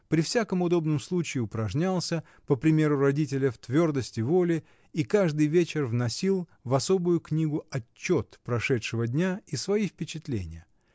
при всяком удобном случае упражнялся, по примеру родителя, в твердости воли и каждый вечер вносил в особую книгу отчет прошедшего дня и свои впечатления